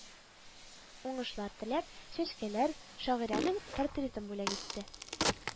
Уңышлар теләп, чәчкәләр, шагыйрәнең портретын бүләк итте